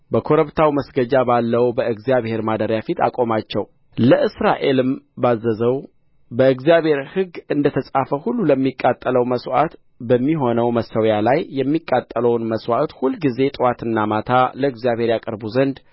በኮረብታው መስገጃ ባለው በእግዚአብሔር ማደሪያ ፊት አቆማቸው ለእስራኤልም ባዘዘው በእግዚአብሔር ሕግ እንደ ተጻፈ ሁሉ ለሚቃጠለው መሥዋዕት በሚሆነው መሠዊያ ላይ የሚቃጠለውን መሥዋዕት ሁል ጊዜ ጥዋትና ማታ ለእግዚአብሔር ያቀርቡ ዘንድ